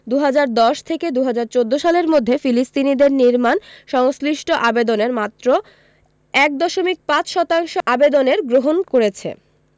২০১০ থেকে ২০১৪ সালের মধ্যে ফিলিস্তিনিদের নির্মাণ সংশ্লিষ্ট আবেদনের মাত্র ১.৫ শতাংশ আবেদনের গ্রহণ করেছে